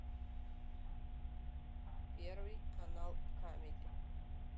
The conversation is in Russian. первый канал камеди